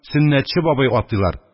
«сөннәтче бабай» атыйлар,